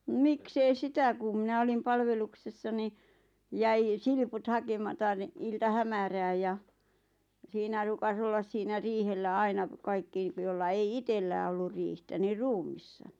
miksi ei sitä kun minä olin palveluksessa niin jäi silput hakematta niin iltahämärään ja siinä ruukasi olla siinä riihellä aina kaikki jolla ei itsellään ollut riihtä niin ruumiina